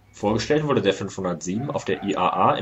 Vorgestellt wurde der 507 auf der IAA